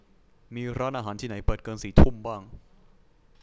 มีร้านอาหารที่ไหนเปิดเกินสี่ทุ่มบ้าง